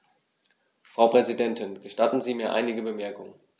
Frau Präsidentin, gestatten Sie mir einige Bemerkungen.